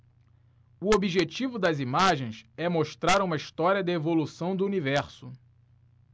o objetivo das imagens é mostrar uma história da evolução do universo